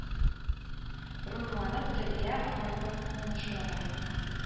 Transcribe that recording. Рурланып телгә алырлык уңышлары